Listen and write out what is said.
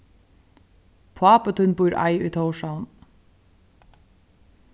pápi tín býr ei í tórshavn